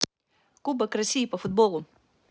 кубок россии по футболу